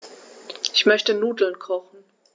Ich möchte Nudeln kochen.